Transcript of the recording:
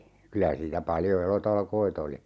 kyllä siitä paljon elotalkoita oli